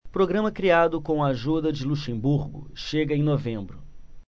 programa criado com a ajuda de luxemburgo chega em novembro